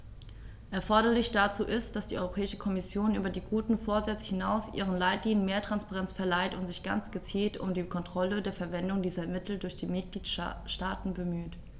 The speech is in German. Erforderlich dazu ist, dass die Europäische Kommission über die guten Vorsätze hinaus ihren Leitlinien mehr Transparenz verleiht und sich ganz gezielt um die Kontrolle der Verwendung dieser Mittel durch die Mitgliedstaaten bemüht.